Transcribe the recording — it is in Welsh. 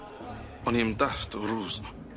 O'n i 'im mdallt o rŵls.